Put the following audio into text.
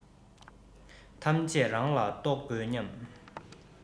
ཐམས ཅད རང ལ གཏོགས དགོས སྙམ